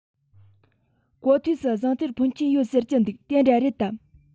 གོ ཐོས སུ ཟངས གཏེར འཕོན ཆེན ཡོད ཟེར གྱི འདུག དེ འདྲ རེད དམ